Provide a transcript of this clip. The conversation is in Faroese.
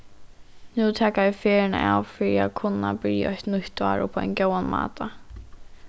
nú taka vit ferðina av fyri at kunna byrja eitt nýtt ár upp á ein góðan máta